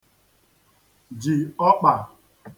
ji ọkpà